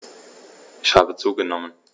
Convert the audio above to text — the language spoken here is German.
Ich habe zugenommen.